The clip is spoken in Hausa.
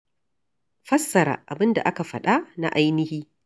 Fassara Abin da aka faɗa na ainihi